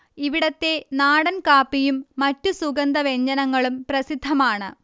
ഇവിടത്തെ നാടൻ കാപ്പിയും മറ്റു സുഗന്ധവ്യഞ്ജനങ്ങളും പ്രസിദ്ധമാണ്